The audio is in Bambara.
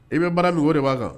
I bɛ baaradugu de b'a kan